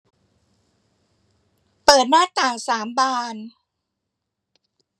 เปิดหน้าต่างสามบาน